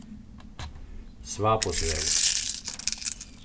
svabosvegur